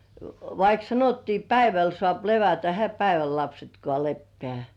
vaikka sanottiin päivällä saa levätä eihän päivällä lapsetkaan lepää